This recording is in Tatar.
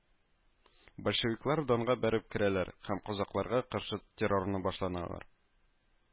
Большевиклар Донга бәреп керәләр һәм казакларга каршы террорны башланалар